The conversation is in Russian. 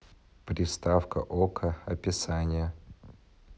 приставка окко описание